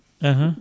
ahan